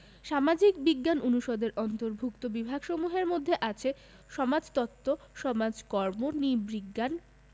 সামাজিক বিজ্ঞান অনুষদের অন্তর্ভুক্ত বিভাগসমূহের মধ্যে আছে সমাজতত্ত্ব সমাজকর্ম নৃবিজ্ঞান